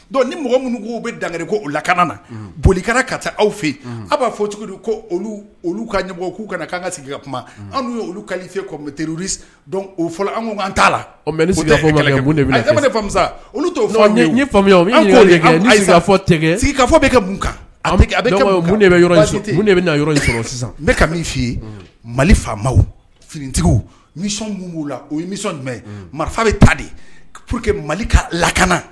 Dɔnku ni mɔgɔ minnu' bɛ dan ko o lak na boli kana ka taa aw fɛ yen aw b'a fɔ cogo ko olu olu ka ɲɛmɔgɔ' ka' ka sigi ka kuma anw olu ka o fɔlɔ anan t'a la mɛsa olu fɔ sigika fɔ bɛ bɛ na sɔrɔ n ka min fɔ mali fa finitigiw b' o ye jumɛn marifa bɛ ta de po que mali ka lakana